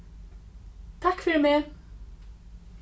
takk fyri meg